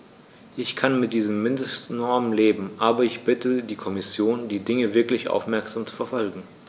Ich kann mit diesen Mindestnormen leben, aber ich bitte die Kommission, die Dinge wirklich aufmerksam zu verfolgen.